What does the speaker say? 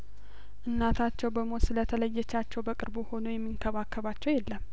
እናታቸው በሞት ስለተለየቻቸው በቅርቡ ሆኖ የሚንከባከባቸው የለም